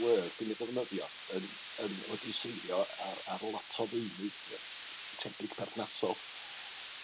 Word yn myn' i ddefnyddio yn yn wedi seilio ar ar lot o ddeunydd tebyg perthnasol.